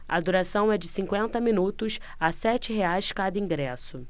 a duração é de cinquenta minutos a sete reais cada ingresso